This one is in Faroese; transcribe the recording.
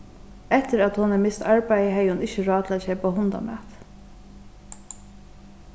eftir at hon hevði mist arbeiðið hevði hon ikki ráð til at keypa hundamat